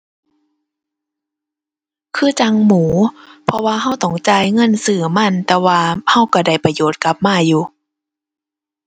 คือจั่งหมู เพราะว่าเราต้องจ่ายเงินซื้อมันแต่ว่าเราเราได้ประโยชน์กลับมาอยู่